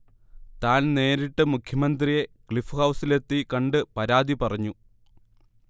താൻ നേരിട്ട് മുഖ്യമന്ത്രിയെ ക്ളിഫ്ഹൗസിലെത്തി കണ്ട് പരാതി പറഞ്ഞു